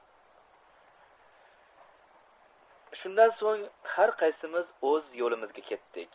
shundan so'ng har qaysimiz o'z yo'limizga ketdik